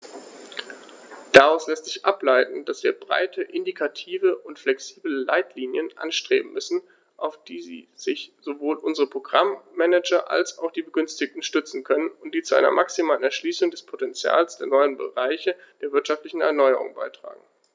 Daraus lässt sich ableiten, dass wir breite, indikative und flexible Leitlinien anstreben müssen, auf die sich sowohl unsere Programm-Manager als auch die Begünstigten stützen können und die zu einer maximalen Erschließung des Potentials der neuen Bereiche der wirtschaftlichen Erneuerung beitragen.